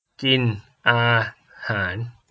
กินอาหาร